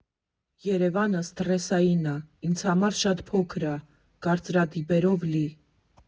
Երևանը սթրեսային ա, ինձ համար շատ փոքր ա, կարծրատիպերով լի։